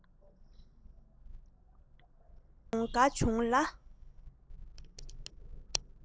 དགའ བྱུང དགའ བྱུང ལ